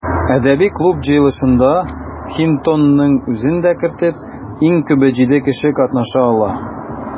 Әдәби клуб җыелышында, Хинтонның үзен дә кертеп, иң күбе җиде кеше катнаша ала.